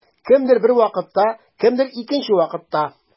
Кемдер бер вакытта, кемдер икенче вакытта.